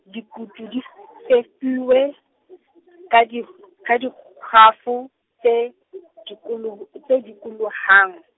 dikutu di fefuwa, ka di-, ka dikhafo, tse dikolo, tse dikolohang.